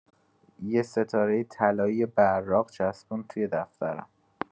یه ستاره طلایی براق چسبوند توی دفترم.